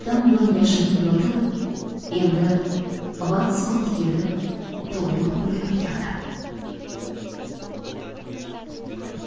buyon yashirinib yotib endi vaqt soati kelib tug'yon urayotgandir